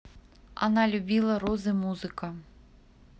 она любила розы музыка